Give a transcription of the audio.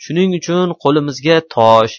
shuning uchun qo'limizga tosh